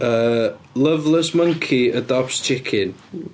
Yy loveless monkey adopts chicken.